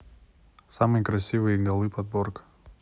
самые красивые голы подборка